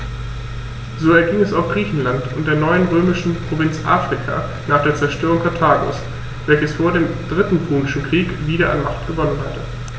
So erging es auch Griechenland und der neuen römischen Provinz Afrika nach der Zerstörung Karthagos, welches vor dem Dritten Punischen Krieg wieder an Macht gewonnen hatte.